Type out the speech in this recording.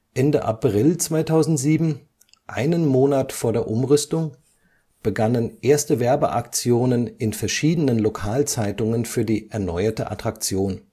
Ende April 2007, einen Monat vor der Umrüstung, begannen erste Werbeaktionen in verschiedenen Lokalzeitungen für die erneuerte Attraktion